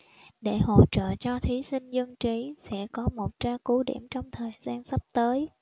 để hỗ trợ cho thí sinh dân trí sẽ có mục tra cứu điểm trong thời gian sắp tới